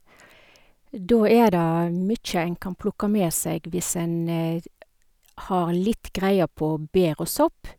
Da er det mye en kan plukke med seg hvis en s har litt greie på bær og sopp.